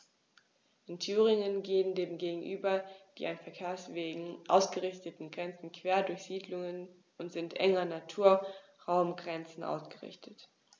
In Thüringen gehen dem gegenüber die an Verkehrswegen ausgerichteten Grenzen quer durch Siedlungen und sind eng an Naturraumgrenzen ausgerichtet.